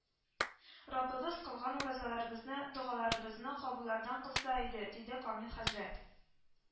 Раббыбыз кылган уразаларыбызны, догаларыбызны кабуллардан кылса иде - диде Камил хәзрәт